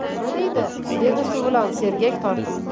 nima deydi dedi suvilon sergak tortib